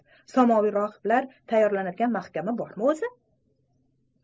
samoviy rohiblar tayyorlanadigan mahkama bormi o'zi